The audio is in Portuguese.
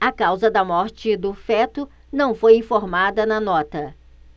a causa da morte do feto não foi informada na nota